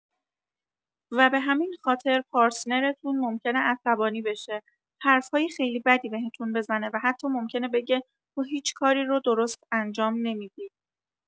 و به همین خاطر، پارتنرتون ممکنه عصبانی بشه، حرف‌های خیلی بدی بهتون بزنه و حتی ممکنه بگه «تو هیچ کاری رو درست انجام نمی‌دی!»